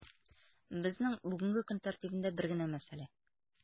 Безнең бүгенге көн тәртибендә бер генә мәсьәлә: